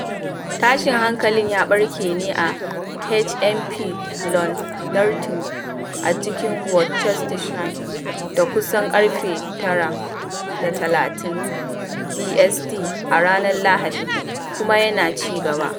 Tashin hankalin ya ɓarke ne a HMP Long Lartin a cikin Worcestershire da kusan ƙarfe 09:30 BST a ranar Lahadi kuma yana ci gaba.